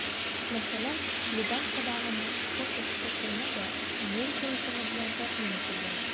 Мәсәлән, Лубянкадагы мәшһүр эчке төрмә дә америка ризыгы белән тәэмин ителгән.